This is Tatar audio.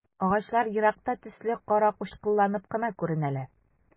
Агачлар еракта төсле каракучкылланып кына күренәләр.